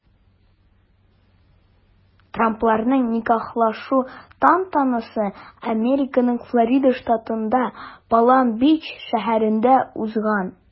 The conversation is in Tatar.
Трампларның никахлашу тантанасы Американың Флорида штатында Палм-Бич шәһәрендә узган.